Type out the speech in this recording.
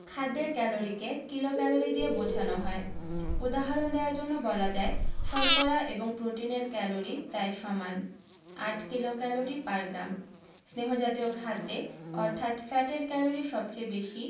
খাদ্যের ক্যালরিকে কিলোক্যালরি দিয়ে বোঝানো হয় উদাহরণ দেয়ার জন্যে বলা যায় শর্করা এবং প্রোটিনের ক্যালরি প্রায় সমান ৮ কিলোক্যালরি পার গ্রাম স্নেহ জাতীয় খাদ্যে অর্থাৎ ফ্যাটের ক্যালরি সবচেয়ে বেশি